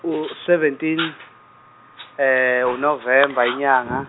u- seventeen Novemba inyanga.